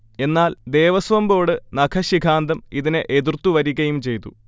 എന്നാൽ, ദേവസ്വം ബോർഡ് നഖശിഖാന്തം ഇതിനെ എതിർത്തു വരികയും ചെയ്തു